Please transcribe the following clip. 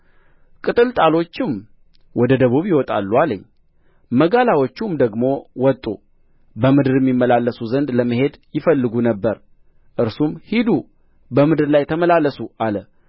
ቅጥልጣሎችም ወደ ደቡብ ይወጣሉ አለኝ መጋላዎቹም ደግሞ ወጡ በምድርም ይመላለሱ ዘንድ ለመሄድ ይፈልጉ ነበር እርሱም ሂዱ በምድር ላይ ተመላለሱ አለ